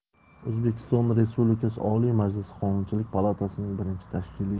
o'zbekiston respublikasi oliy majlisi qonunchilik palatasining birinchi tashkiliy